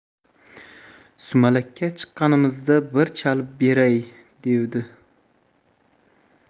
sumalakka chiqqanimizda bir chalib beray devdi